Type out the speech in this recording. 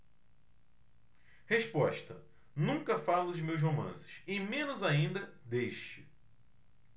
resposta nunca falo de meus romances e menos ainda deste